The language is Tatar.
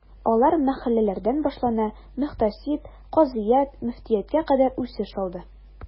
Алар мәхәлләләрдән башлана, мөхтәсиб, казыят, мөфтияткә кадәр үсеш алды.